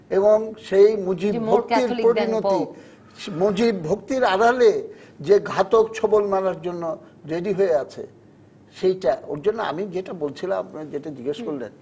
সেই মুজিব ভক্তির more Catholic than pope Mujib ভক্তির আড়ালে যে ঘাতক ছোবল মারার জন্য রেডি হয়ে আছে সেইটা ওর জন্য আমি যেটা বলছিলাম যেটা জিজ্ঞেস করলেন